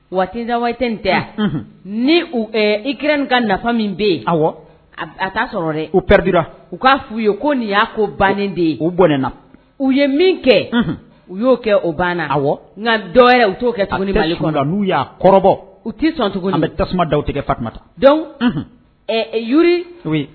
Waatisa waatit in tɛ ni ɛɛ iki nin ka nafa min bɛ yen a t' sɔrɔ u pɛpra u k'a f uu ye ko nin y'a ko bannen de ye u bɔnna u ye min kɛ u y'o kɛ o banna nka dɔwɛrɛ u t'o kɛ n'u y'a kɔrɔbɔ u tɛ sɔn tuguni an bɛ tasuma da tigɛta dɔn y